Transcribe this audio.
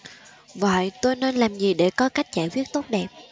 vậy tôi nên làm gì để có cách giải quyết tốt đẹp